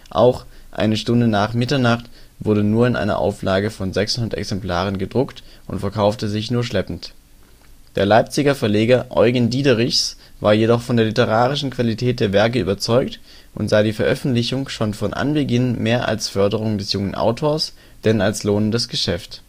auch " Eine Stunde nach Mitternacht " wurde nur in einer Auflage von 600 Exemplaren gedruckt und verkaufte sich nur schleppend. Der Leipziger Verleger Eugen Diederichs war jedoch von der literarischen Qualität der Werke überzeugt und sah die Veröffentlichung schon von Anbeginn mehr als Förderung des jungen Autors denn als lohnendes Geschäft